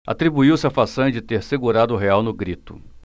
atribuiu-se a façanha de ter segurado o real no grito